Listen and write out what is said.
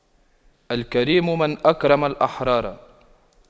الكريم من أكرم الأحرار